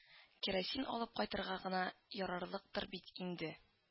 Керосин алып кайтырга гына ярарлыктыр бит инде